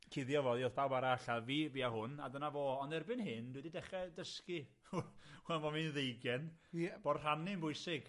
cuddio fo 'i wrth bawb arall, a fi bia a hwn, a dyna fo, ond erbyn hyn, dwi 'di dechre dysgu nawr bo fi'n ddeugain... Ie. ...bo' rhannu'n bwysig.